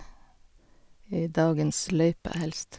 I dagens løyper, helst.